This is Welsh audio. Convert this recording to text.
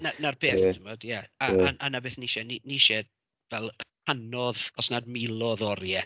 'Na' na'r peth... ia. ...Timod a... ia. ...a 'na beth ni isie, ni ni isie fel cannoedd, os nad miloedd o oriau, t'mod so wedyn.